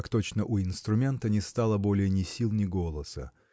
как точно у инструмента не стало более ни сил ни голоса.